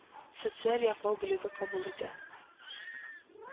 Социаль яклау бүлеге кабул итә